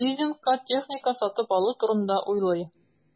Лизингка техника сатып алу турында уйлый.